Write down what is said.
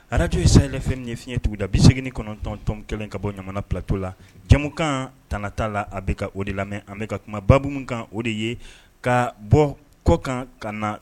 Ararajo ye sanyfɛn fiɲɛɲɛtigiwda bi segingin kɔnɔntɔntɔn kelen ka bɔ jamana ptɔ la jamukan t t' la a bɛka ka o de la a bɛka ka kumababaumu kan o de ye ka bɔ kɔ kan ka na